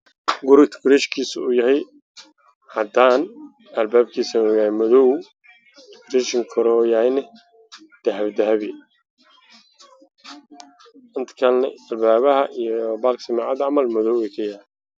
Meeshan guri berndineysa waxa ay leedahay jaale ah oo wareeg ah gurigiisuna waa caddaan albaabkana waa qaxo